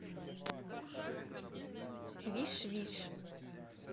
wish wish